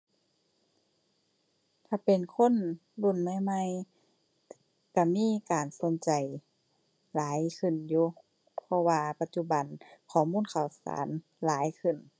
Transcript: ถ้าเป็นคนรุ่นใหม่ใหม่ก็มีการสนใจหลายขึ้นอยู่ เพราะว่าปัจจุบันข้อมูลข่าวสารหลายขึ้น